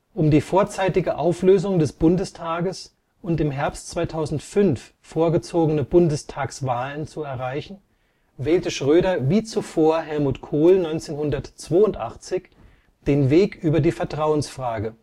Um die vorzeitige Auflösung des Bundestages und im Herbst 2005 vorgezogene Bundestagswahlen zu erreichen, wählte Schröder wie zuvor Helmut Kohl 1982 den Weg über die Vertrauensfrage